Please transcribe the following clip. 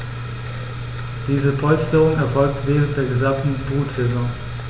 Diese Polsterung erfolgt während der gesamten Brutsaison.